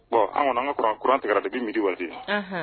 Bon an kɔni an kauran kuran an tigɛ dabi midi waati